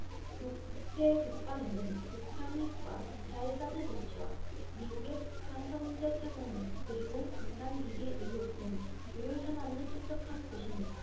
국회 국방위는 북한 핵과 미사일 사드 배치와 미국의 북한 선제타격론 그리고 방산비리 의혹 등 주요 현안이 산적한 곳입니다